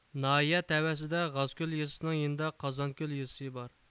ناھىيە تەۋەسىدىكى غازكۆل يېزىسىنىڭ يېنىدا قازانكۆل يېزىسى بار